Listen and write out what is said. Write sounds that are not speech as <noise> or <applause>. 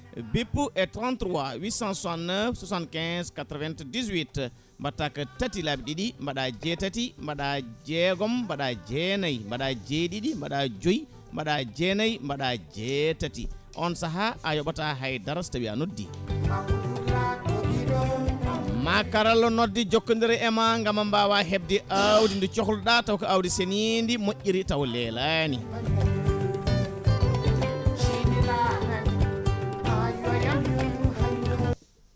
bippu e 33 869 75 98 mbatta ko tati laabi ɗiɗi mbaɗa jeetati mbaɗa jeegom mbaɗa jeenaayi mbaɗa jeeɗiɗi mbaɗa jooyi mbaɗa jeenaayi mbaɗa jeetati on saaha a yooɓata haydara so tawi a noddi <music> ma karalla nodde jokkodira e ma gaam mbawa hebde awdi ndi cohluɗa taw ko awdi senidi moƴƴiri taw leelani